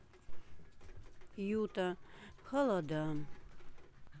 юта холода